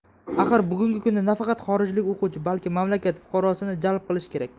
axir bugungi kunda nafaqat xorijlik o'quvchi balki mamlakat fuqarosini jalb qilish kerak